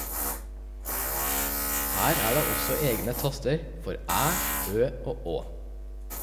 Her er det også egne taster for æ, ø og å.